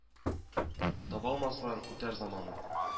Табалмаслар - үтәр заманы